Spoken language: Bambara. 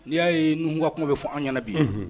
N'i y'a ye Nuhu ka kow bɛ fɔ an ɲɛna bi